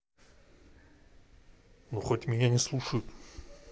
ну хоть меня не слушает